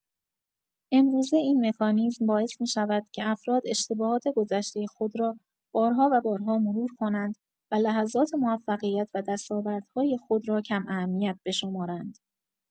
امروزه، این مکانیزم باعث می‌شود که افراد اشتباهات گذشتۀ خود را بارها و بارها مرور کنند و لحظات موفقیت و دستاوردهای خود را کم‌اهمیت بشمارند.